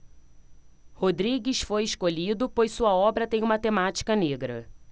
rodrigues foi escolhido pois sua obra tem uma temática negra